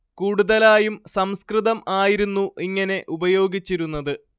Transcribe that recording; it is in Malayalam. കൂടുതലായും സംസ്കൃതം ആയിരുന്നു ഇങ്ങനെ ഉപയോഗിച്ചിരുന്നത്